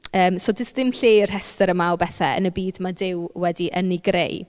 Yym so does dim lle i'r rhestr yma o bethe yn y byd ma' Duw wedi... yn ei greu.